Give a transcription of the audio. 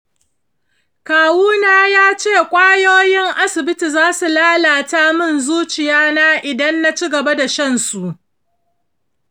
kawu na yace ƙwayoyin asibiti zasu lalata min zuciya na idan na shigaba da shan su.